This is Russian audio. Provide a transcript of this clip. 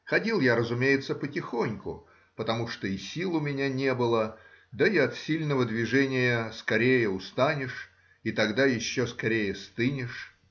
Ходил я, разумеется, потихоньку, потому что и сил у меня не было, да и от сильного движения скорее устаешь, и тогда еще скорее стынешь.